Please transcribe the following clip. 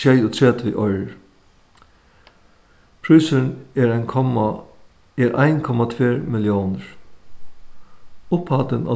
sjeyogtretivu oyrur prísurin er ein komma er ein komma tvær milliónir upphæddin á